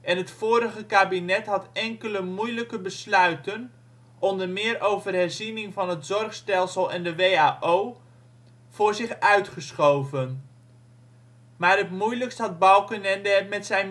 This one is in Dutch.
en het vorige kabinet had enkele moeilijke besluiten (onder meer over herziening van het zorgstelsel en de WAO) voor zich uitgesteld. Maar het moeilijkst had Balkenende het met zijn